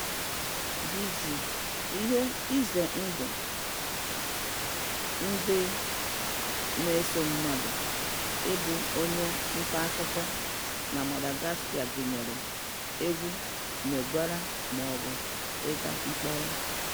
DG: Ihe ize ndụ ndị na-eso mmadụ ịbụ onye ntaakụkọ na Madagascar gụnyere egwu mmegwara maọbụ ịga mkpọrọ.